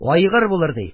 Айгыр булыр, ди;